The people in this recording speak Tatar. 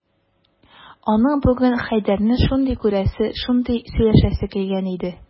Аның бүген Хәйдәрне шундый күрәсе, шундый сөйләшәсе килгән иде...